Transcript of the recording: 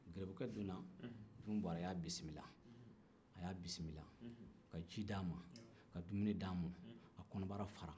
garibukɛ donna junmu buwarɛ y'a bisimila ka ji d'a ma ka dumuni d'a ma a kɔnɔbara fara